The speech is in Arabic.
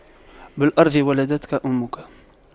بالأرض ولدتك أمك